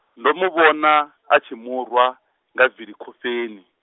ndo muvhona, a tshi murwa, nga vili khofheni.